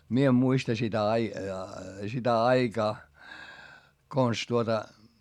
minä en muista sitä - sitä aikaa konsa tuota